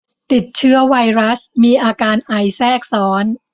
ติดเชื้อไวรัสมีอาการไอแทรกซ้อน